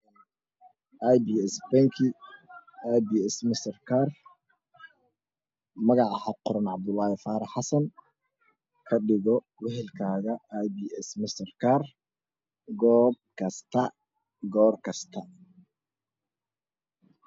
Aybii es banki aybii es mastarkar magaca waxaa ku qoran cabdulahi farax xasan kadhigo wehelkaga iybii es mastarkaar goobkasta goorkasta